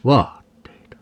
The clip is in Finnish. vaatteita